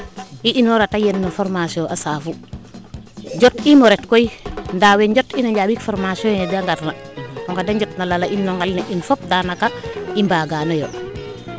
i inoora ta yen na formation a saafu jot iimo ret ndaa wee njot ina njambik formation yeede ngar na onge de njotna lala inno ngel ne in fop danaka i mbaaganoyo